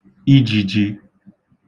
ijījī